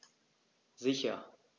Sicher.